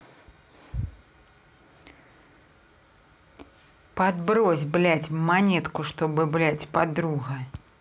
подбрось блять монетку чтобы блять подруга